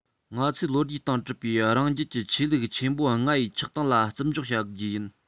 ང ཚོས ལོ རྒྱུས སྟེང གྲུབ པའི རང རྒྱལ གྱི ཆོས ལུགས ཆེན པོ ལྔ ཡི ཆགས སྟངས ལ བརྩི འཇོག བྱ རྒྱུ ཡིན